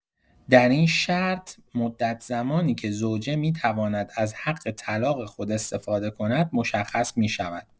در این شرط، مدت زمانی‌که زوجه می‌تواند از حق طلاق خود استفاده کند، مشخص می‌شود.